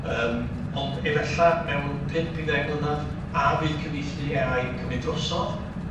Yym, ond efella mewn pump i ddeg mlynadd, a fydd cyfieithu Ay I yn cymyd drosodd?